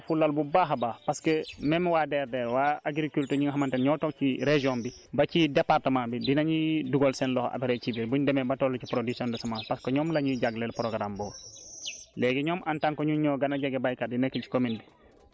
léeg biñ demee ba taxaw mbir mi nit ñi war nañ ko fullaal bu baax a baax parce que même waa DRDR waa agriculture ñi nga xamante ne ñoo toog ci région bi ba ci département bi dinañuy dugal seen loxo après ci biir buñ demee ba toll ci production de semence parce que ñoom lañuy jagleel programme boobu